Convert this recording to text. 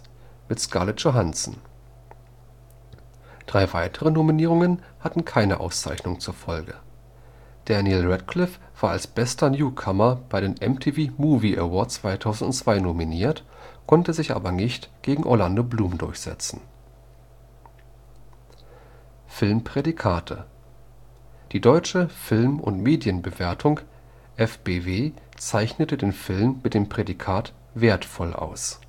Scarlett Johansson; drei weitere Nominierungen hatten keine Auszeichnung zur Folge. Daniel Radcliffe war als bester Newcomer bei den MTV Movie Awards 2002 nominiert, konnte sich aber nicht gegen Orlando Bloom durchsetzen. Filmprädikate Die Deutsche Film - und Medienbewertung (FBW) zeichnete den Film mit dem Prädikat „ wertvoll “aus